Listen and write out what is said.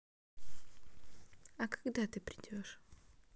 а когда ты придешь